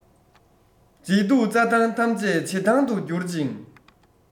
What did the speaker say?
མཛེས སྡུག རྩྭ ཐང ཐམས ཅད བྱེད ཐང དུ བསྒྱུར ཅིང